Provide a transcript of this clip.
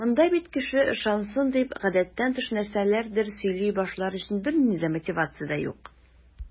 Монда бит кеше ышансын дип, гадәттән тыш нәрсәләрдер сөйли башлар өчен бернинди мотивация дә юк.